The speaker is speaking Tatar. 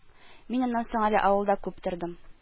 Мин аннан соң әле авылда күп тордым